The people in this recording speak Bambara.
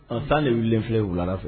An tan de wili filɛ wula fɛ